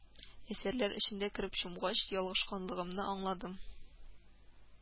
Әсәрләр эчендә кереп чумгач, ялгышканлыгымны аңладым